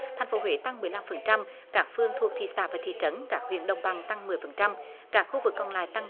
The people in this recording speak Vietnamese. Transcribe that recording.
thành phố huế tăng mười lăm phần trăm các phường thuộc thị xã và thị trấn các huyện đồng bằng tăng mười phần trăm cả khu vực còn lại tăng